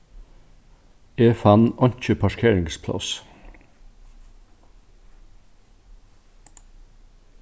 eg fann einki parkeringspláss